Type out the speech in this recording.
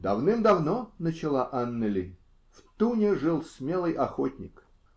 ***-- Давным-давно, -- начала Аннели, -- в Туне жил смелый охотник.